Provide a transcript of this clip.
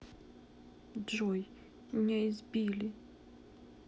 джой меня избили